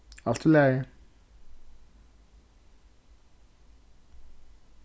alt í lagi